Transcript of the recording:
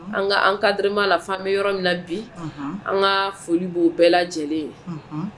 An ka encadrement la, fo an be yɔrɔ min na bi. Unhun! An ka foli b'u bɛɛ lajɛlen ye. Unhun!